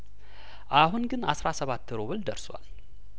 አሁን ግን አስራ ስባት ሩብል ደርሷል